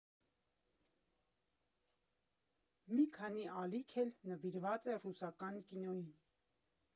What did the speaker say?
Մի քանի ալիք էլ նվիրված է ռուսական կինոյին.